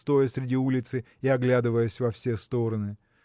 стоя среди улицы и оглядываясь во все стороны.